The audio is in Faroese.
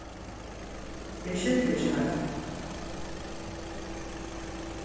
eg skilti ikki heilt